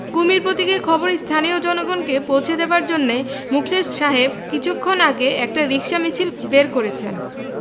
কুমীর প্রতীকের খবর স্থানীয় জনগণকে পৌঁছে দেবার জন্যে মুখলেস সাহেব কিছুক্ষণ আগে একটা রিকশা মিছিল বের করেছেন